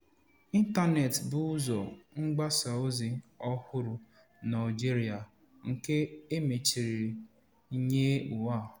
Intaneti bụ ụzọ mgbasa ozi ọhụrụ n'Algeria nke emechiri nye ụwa.